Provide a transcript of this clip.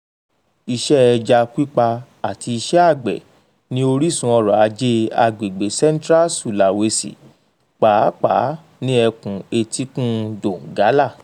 Iṣẹ́ ẹja pípa àti iṣẹ́ àgbẹ̀ ni orísun ọrọ̀ ajé àgbègbè Central Sulawesi, pàápàá ní ẹkùn etíkun Donggala.